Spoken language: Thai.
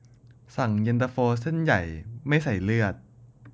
สั่งเย็นตาโฟเส้นใหญ่ไม่ใส่เลือด